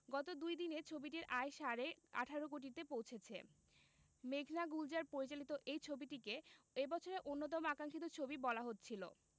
গত দুই দিনে ছবিটির আয় সাড়ে ১৮ কোটিতে পৌঁছেছে মেঘনা গুলজার পরিচালিত এই ছবিটিকে এই বছরের অন্যতম আকাঙ্খিত ছবি বলা হচ্ছিল